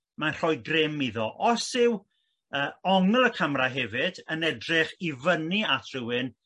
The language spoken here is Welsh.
mae'n rhoi grym iddo os yw yy ongl y camra hefyd yn edrych i fyny at rhywun